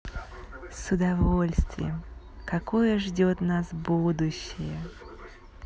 с удовольствием какое ждет нас будущее